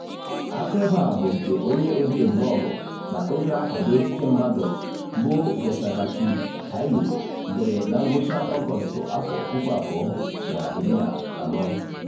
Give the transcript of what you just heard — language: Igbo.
Akaebe a bụ nke onye odee blọọgụ na onye na-akwado ikike mmadụ bụ Befeqadu Hailu dere na ngwụcha Ọgọstụ 2014.